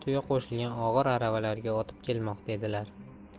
tuya qo'shilgan og'ir aravalarga ortib kelmoqda edilar